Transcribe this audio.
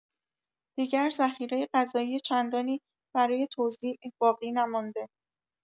دیگر ذخیره غذایی چندانی برای توزیع باقی نمانده